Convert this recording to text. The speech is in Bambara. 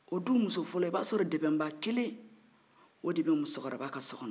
o dumuso fɔlɔ i b'a sɔrɔ dɛbɛn ba kelen o de bɛ musokɔrɔ ba ka so kɔnɔ